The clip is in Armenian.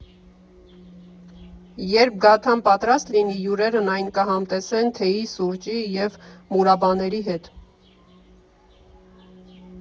Երբ գաթան պատրաստ լինի, հյուրերն այն կհամտեսեն թեյի, սուրճի և մուրաբաների հետ։